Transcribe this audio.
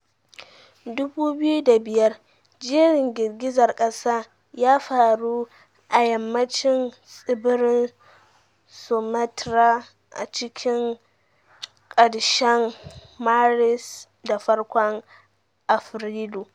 2005: Jerin girgizar kasa ya faru a yammacin tsibirin Sumatra a cikin karshen Maris da farkon Afrilu.